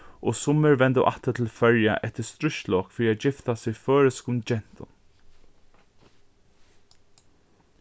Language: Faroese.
og summir vendu aftur til føroya eftir stríðslok fyri at giftast við føroyskum gentum